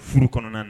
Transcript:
Furu kɔnɔna na